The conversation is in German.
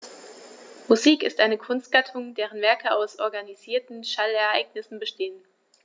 Musik ist eine Kunstgattung, deren Werke aus organisierten Schallereignissen bestehen.